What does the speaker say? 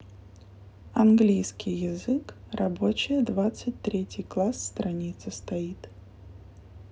английский язык рабочая двадцать третий класс страница стоит